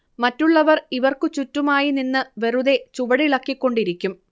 മറ്റുള്ളവർ ഇവർക്കു ചുറ്റുമായി നിന്ന് വെറുതേ ചുവടിളക്കിക്കൊണ്ടിരിക്കും